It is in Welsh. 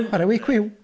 Chwarae wic-wiw!